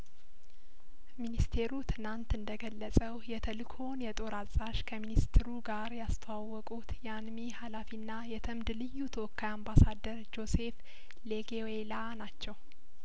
ሚኒስቴሩ ትናንት እንደገለጸው የተልእኮውን የጦር አዛዥ ከሚኒስትሩ ጋር ያስተዋወቁት የአንሚ ሀላፊና የተምድ ልዩ ተወካይ አምባሳደር ጆሴፍ ሌጌዌይላ ናቸው